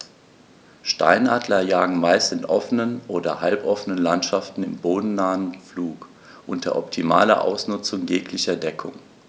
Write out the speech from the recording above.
Steinadler jagen meist in offenen oder halboffenen Landschaften im bodennahen Flug unter optimaler Ausnutzung jeglicher Deckung.